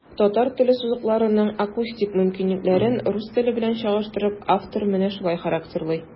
Татар теле сузыкларының акустик мөмкинлекләрен, рус теле белән чагыштырып, автор менә шулай характерлый.